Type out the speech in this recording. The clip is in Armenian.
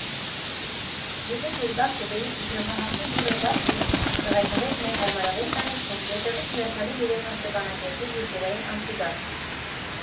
Եթե ձեր բախտը բերի ու ձեղնահարկի դուռը բաց լինի, կհայտնվեք մի հարմարավետ տանիքում, որտեղից հրաշալի երևում է Ստեփանակերտի գիշերային անցուդարձը։